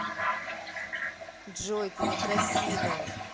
джой ты некрасивая